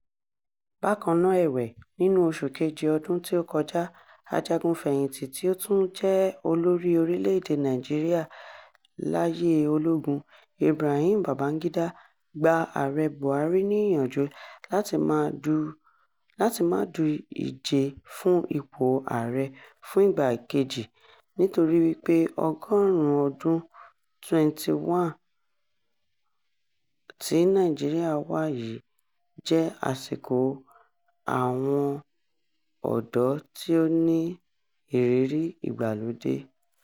Bákan náà ẹ̀wẹ̀wẹ̀, nínú Oṣù Kejì ọdún tí ó kọjá, ajagun fẹ̀yìntì tí ó tún jẹ́ olórí orílẹ̀-èdè Nàìjíríà láyé ológun, Ibrahim Babangida gba Ààrẹ Buhari ní ìyànjú láti máà du ìje fún ipò Ààrẹ fún ìgbà kejì, nítorí wípé ọgọ́rùn-ún ọdún 21 tí Nàìjíríà wà yìí jẹ́ àsìkò àwọn ọ̀dọ́ tí ó ní ìrírí ìgbàlódé.